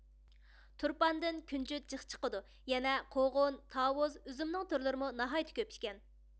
تۇرپاندىن كۈنجۈت جىق چىقىدۇ يەنە قوغۇن تاۋۇز ئۈزۈمنىڭ تۈرلىرىمۇ ناھايىتى كۆپ ئىكەن